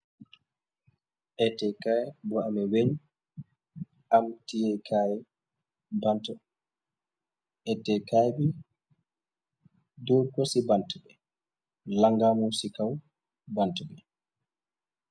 Etekay bo ame weñ , am teikay bant. Etekay bi dorukor ci banta.